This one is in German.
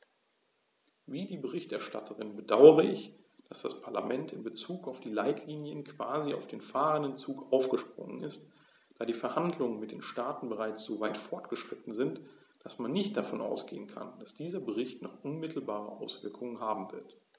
Wie die Berichterstatterin bedaure ich, dass das Parlament in bezug auf die Leitlinien quasi auf den fahrenden Zug aufgesprungen ist, da die Verhandlungen mit den Staaten bereits so weit fortgeschritten sind, dass man nicht davon ausgehen kann, dass dieser Bericht noch unmittelbare Auswirkungen haben wird.